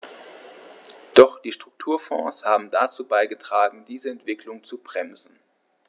Doch die Strukturfonds haben dazu beigetragen, diese Entwicklung zu bremsen.